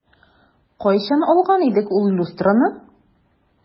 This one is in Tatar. Кайчан алган идек ул люстраны?